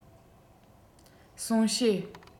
གསུངས བཤད